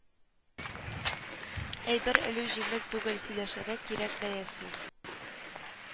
Әйбер элү җиңел түгел сөйләшергә кирәк бәясен